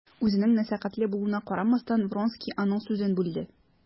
Үзенең нәзакәтле булуына карамастан, Вронский аның сүзен бүлде.